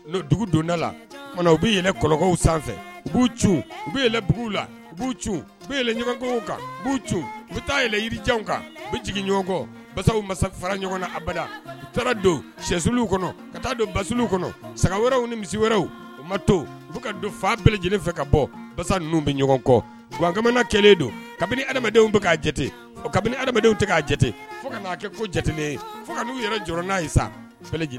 Dugu donda la u bɛɛlɛn kɔkɔw sanfɛ u b'u c u bɛbugu la u b'u c bɛ ɲɔgɔn kan k'u c u bɛ taa yɛlɛ yirijanw kan bɛ jigin ɲɔgɔn kɔ basa masa fara ɲɔgɔn abala u taara don sisiww kɔnɔ ka taa don basisiww kɔnɔ sagaga wɛrɛw ni misi wɛrɛw u ma to u ka don fa bɛɛ lajɛlenele fɛ ka bɔ basa ninnu bɛ ɲɔgɔn kɔ kamana kɛlen don kabini adamadenw bɛ k'a jate o kabini adamadenw tɛ k'a jate fo ka'a kɛ ko jate ye fo ka n'u yɛrɛ jɔ n'a ye saj